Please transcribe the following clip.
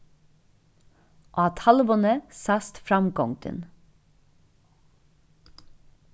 á talvuni sæst framgongdin